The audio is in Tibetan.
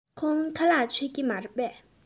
ཁོང ཁ ལག མཆོད ཀྱི མ རེད པས